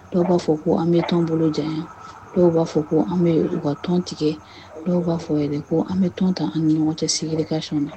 Dɔw b'a fɔ ko an bɛ tɔn bolo janya , dɔw b'a fɔ ko an bɛ u ka tɔn tigɛ, dɔw b'a fɔ yɛrɛ ko an bɛ tɔn ta an ni ɲɔgɔn cɛ segregation na